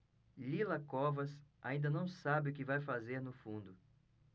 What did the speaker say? lila covas ainda não sabe o que vai fazer no fundo